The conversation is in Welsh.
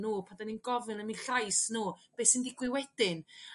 n'w pan 'da ni'n gofyn am ei llais n'w be sy'n ddigwydd wedyn?